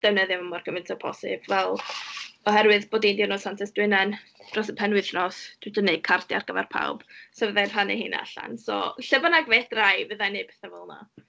Defnyddio fo mor gymaint o bosib fel oherwydd bod hi'n diwrnod Santes Dwynwen dros y penwythnos, dwi 'di wneud cardiau ar gyfer pawb. So fydda i'n rhannu heina allan. So lle bynnag fedra i fydda i'n wneud petha fel 'na.